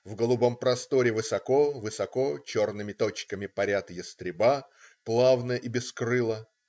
В голубом просторе высоко, высоко, черными точками парят ястреба - плавно и бескрыло.